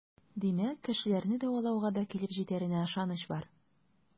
Димәк, кешеләрне дәвалауга да килеп җитәренә ышаныч бар.